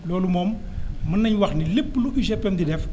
loolu moom mën nañu wax ni lépp lu UGPM di def